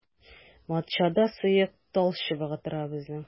Матчада сыек талчыбыгы тора безнең.